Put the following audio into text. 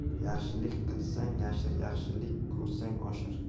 yaxshilik qilsang yashir yaxshilik ko'rsang oshir